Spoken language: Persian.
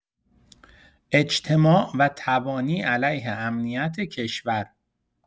اجتماع و تبانی علیه امنیت کشور